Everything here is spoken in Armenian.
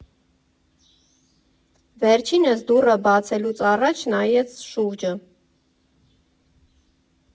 Վերջինս դուռը բացելուց առաջ նայեց շուրջը։